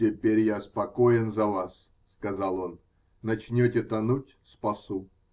-- Теперь я спокоен за вас, -- сказал он, -- начнете тонуть -- спасу.